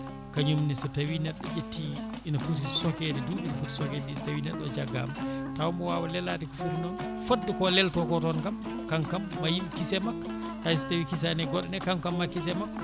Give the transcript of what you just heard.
kañumne so tawi neɗɗo ƴetti ina footi sokede duuɓi ɗi footi sokede ɗi so tawi neɗɗo o jaggama taw mo wawa lelade ko footi noon fodde ko lelto ko toon kam kanko kam ma yimɓe kiis e makko hayso tawi kiisani e goɗɗone kanko kam ma kiise makko